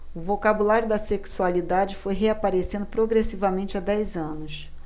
o vocabulário da sexualidade foi reaparecendo progressivamente há dez anos